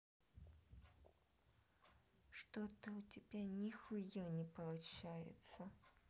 что то у тебя нихуя не получается